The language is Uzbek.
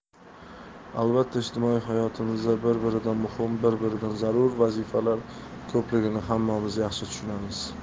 albatta ijtimoiy hayotimizda bir biridan muhim bir biridan zarur vazifalar ko'pligini hammamiz yaxshi tushunamiz